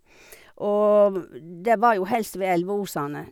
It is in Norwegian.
Og det var jo helst ved elveosene.